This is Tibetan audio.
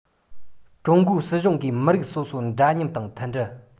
ཀྲུང གོའི སྲིད གཞུང གིས མི རིགས སོ སོ འདྲ མཉམ དང མཐུན སྒྲིལ